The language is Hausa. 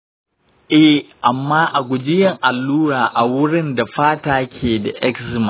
eh, amma a guji yin allura a wurin da fata ke da eczema.